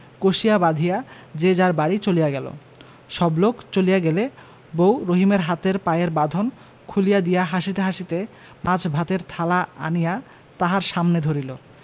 কষিয়া বাধিয়া যে যার বাড়ি চলিয়া গেল সবলোক চলিয়া গেলে বউ রহিমের হাতের পায়ের বাঁধন খুলিয়া দিয়া হাসিতে হাসিতে মাছ ভাতের থালা আনিয়া তাহার সামনে ধরিল